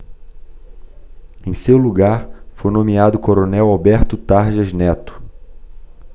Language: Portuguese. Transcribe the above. em seu lugar foi nomeado o coronel alberto tarjas neto